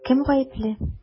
Кем гаепле?